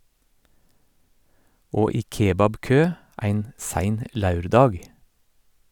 Og i kebabkø ein sein laurdag.